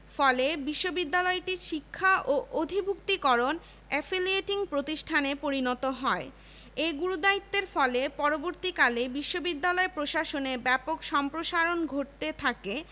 ঢাকা বিশ্ববিদ্যালয় কোনো স্বাভাবিক প্রক্রিয়ায় প্রতিষ্ঠিত হয়নি রাজনৈতিক সামাজিক ও অর্থনৈতিকভাবে একটি সমন্বিত প্রচেষ্টার মাধ্যমে ভারত সরকারের ওপর চাপ প্রয়োগ করা হলে